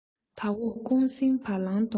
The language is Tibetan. དེ འོག ཀོང སྲིང བ ལང དོང